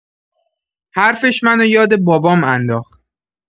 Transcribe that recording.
حرفش منو یاد بابام انداخت.